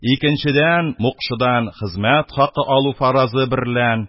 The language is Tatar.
Икенчедән, мукшыдан хезмәт хакы алу фаразы берлән